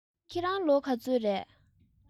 ཁྱེད རང ལོ ག ཚོད རེད